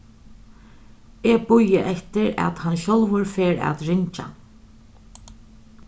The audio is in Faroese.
eg bíði eftir at hann sjálvur fer at ringja